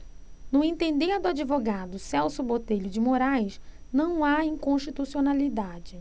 no entender do advogado celso botelho de moraes não há inconstitucionalidade